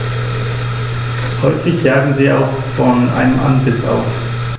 Häufig jagen sie auch von einem Ansitz aus.